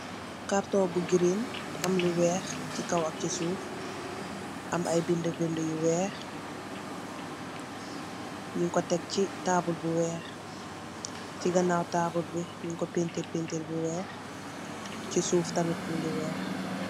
Karton bu girin am lu weex che kaw ak se suuf am aye bede bede yu weex nugku tek che taabul bu weex che ganaw taabul be nugku painter painter bu weex che suuf tamin muge weex.